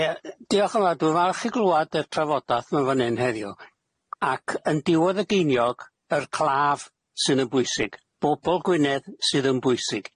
Ie yy diolch yn fawr dwi'n falch chi glwad yr trafodath ma'n fan hyn heddiw ac yn diwedd y geiniog yr claf sydd yn bwysig, bobol Gwynedd sydd yn bwysig.